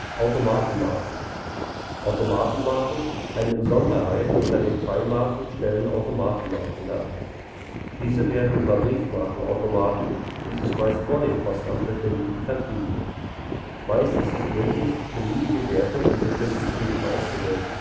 Automatenmarken: Eine Besonderheit unter den Freimarken stellen die Automatenmarken dar. Diese werden über Briefmarkenautomaten, die sich meist vor dem Postamt befinden, vertrieben. Meist ist es möglich, beliebige Werte in bestimmten Stufen auszudrucken